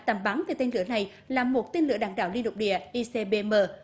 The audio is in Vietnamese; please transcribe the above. tầm bắn thì tên lửa này là một tên lửa đạn đạo liên lục địa i xê bê mờ